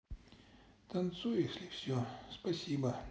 танцуй если все спасибо